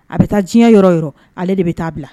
A bɛ taa diɲɛ yɔrɔ yɔrɔ ale de bɛ taa bila